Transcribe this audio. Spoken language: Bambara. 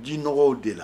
Jinɔgɔw de la